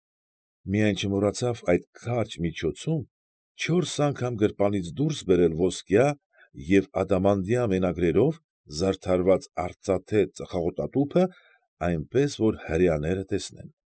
Միայն չմոռացավ այդ կարճ միջոցում չորս անգամ գրպանից դուրս բերել ոսկյա և ադամանդյա մետաղադրամներով արծաթե ծխախոտատուփը այնպես, որ հրեաները տեսնեն։